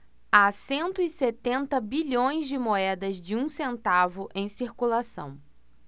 há cento e setenta bilhões de moedas de um centavo em circulação